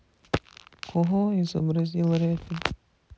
кого изобразил репин